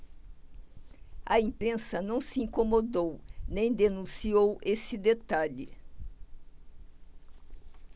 a imprensa não se incomodou nem denunciou esse detalhe